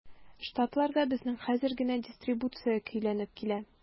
Штатларда безнең хәзер генә дистрибуция көйләнеп килә.